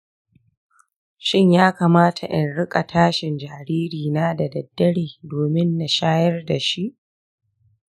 shin ya kamata in riƙa tashin jaririna da daddare domin na shayar da shi?